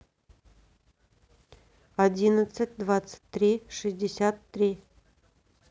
одиннадцать двадцать три шестьдесят три